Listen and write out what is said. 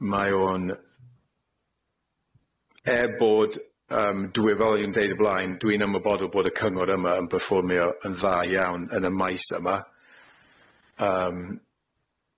mae o'n, er bod yym dwi fel o'n i'n deud o blaen dwi'n ymwybodol bod y cyngor yma yn perfformio yn dda iawn yn y maes yma yym